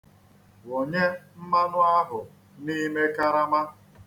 Wụnye mmanụ ahụ n'ime karama.